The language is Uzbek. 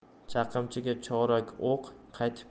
chaqimchiga chorak o'q qaytib